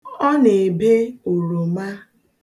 Ọ na-ebe oroma.